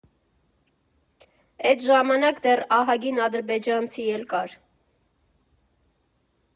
Էդ ժամանակ դեռ ահագին ադրբեջանցի էլ կար։